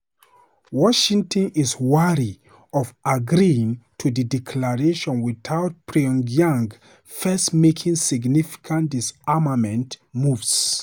Washington is wary of agreeing to the declaration without Pyongyang first making significant disarmament moves.